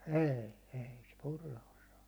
ei ei se purra osaa